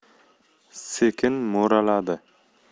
sekin mo'raladi